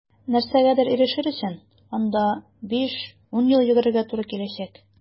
Нәрсәгәдер ирешер өчен анда 5-10 ел йөгерергә туры киләчәк.